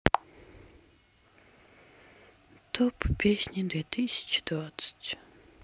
топ песни две тысячи двадцать